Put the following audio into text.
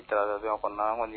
Taratadonya kɔnna an ŋɔni